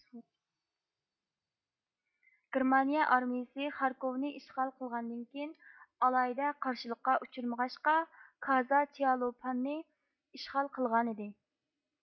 گېرمانىيە ئارمىيىسى خاركوۋنى ئىشغال قىلغاندىن كېيىن ئالاھىدە قارشىلىققا ئۇچرىمىغاچقا كازاچيالوپاننى ئىشغال قىلغانىدى